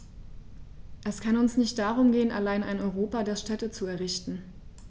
Es kann uns nicht darum gehen, allein ein Europa der Städte zu errichten.